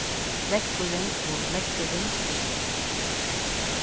veggurin og leggurin